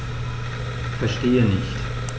Verstehe nicht.